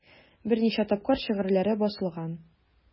Берничә тапкыр шигырьләре басылган.